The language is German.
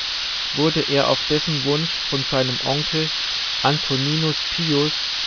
wurde er auf dessen Wunsch von seinem Onkel Antoninus Pius